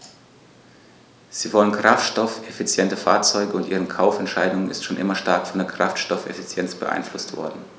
Sie wollen kraftstoffeffiziente Fahrzeuge, und ihre Kaufentscheidung ist schon immer stark von der Kraftstoffeffizienz beeinflusst worden.